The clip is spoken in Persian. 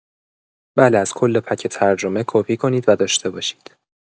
بله از کل پک ترجمه، کپی کنید و داشته باشید.